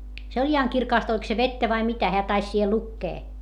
se oli ihan kirkasta oliko se vettä vai mitä hän taisi siihen lukea